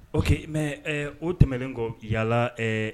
Ok, mais ɛɛ o tɛmɛnen kɔ, biyala ɛɛ